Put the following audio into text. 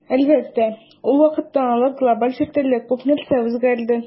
Әлбәттә, ул вакыттан алып глобаль челтәрдә күп нәрсә үзгәрде.